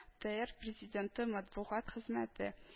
ТээР Президенты матбугат хезмәте